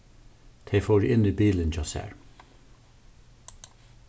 tey fóru inn í bilin hjá sær